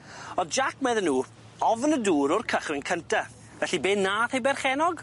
O'dd Jack medden nw ofn y dŵr o'r cychwyn cynta felly be' nath ei berchennog?